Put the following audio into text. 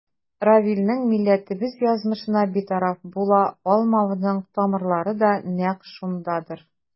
Равилнең милләтебез язмышына битараф була алмавының тамырлары да нәкъ шундадыр.